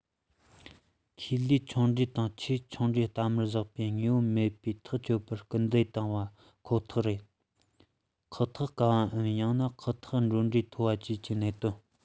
ཁེ ལས ཆུང གྲས དང ཆེས ཆུང གྲས གཏའ མར བཞག པའི དངོས པོ མེད པའི ཐག གཅོད པར སྐུལ འདེད དང པ ཁོ ཐག རེད ཁག ཐེག དཀའ བ པའམ ཡང ན ཁག ཐེག འགྲོ གྲོན མཐོ བ བཅས ཀྱི གནད དོན